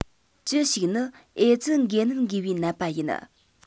ཅི ཞིག ནི ཨེ ཙི འགོས ནད འགོས པའི ནད པ ཡིན